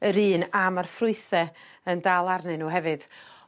yr un a ma'r ffrwythe yn dal arnyn n'w hefyd.